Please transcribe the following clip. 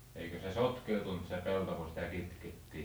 eikö se sotkeutunut se pelto kun sitä kitkettiin